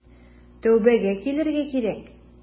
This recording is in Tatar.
Тәүбәгә килергә кирәк.